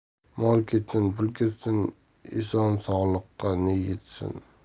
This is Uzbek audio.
mol ketsin pul ketsin eson sog'likka ne yetsin